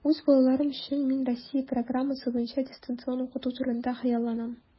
Үз балаларым өчен мин Россия программасы буенча дистанцион укыту турында хыялланам.